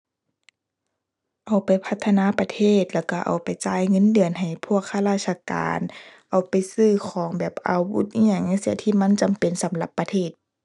เอาไปพัฒนาประเทศ แล้วก็เอาไปจ่ายเงินเดือนให้พวกข้าราชการ เอาไปซื้อของแบบอาวุธอิหยังจั่งซี้ ที่มันจำเป็นสำหรับประเทศ